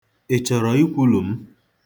Ị chọrọ ikwulu m?